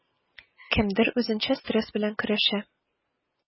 Кемдер үзенчә стресс белән көрәшә.